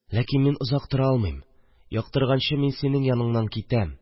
Ләкин мин озак тора алмыйм, яктырганчы мин синең яныңнан китәм